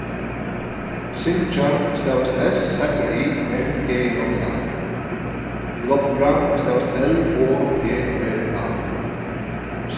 syngja stavast s y n g j a lopra stavast l o p r a